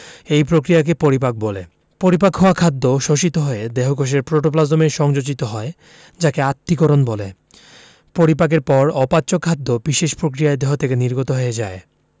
এই প্রক্রিয়াকে পরিপাক বলে পরিপাক হওয়া খাদ্য শোষিত হয়ে দেহকোষের প্রোটোপ্লাজমে সংযোজিত হয় যাকে আত্তীকরণ বলে পরিপাকের পর অপাচ্য খাদ্য বিশেষ প্রক্রিয়ায় দেহ থেকে নির্গত হয়ে যায়